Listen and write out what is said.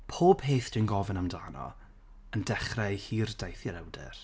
Pob peth dwi'n gofyn amdano yn dechrau hir daith i'r awdur.